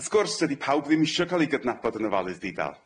W'th gwrs dydi pawb ddim isho ca'l 'i gydnabod yn ofalydd di-dal.